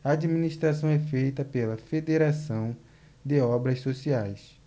a administração é feita pela fos federação de obras sociais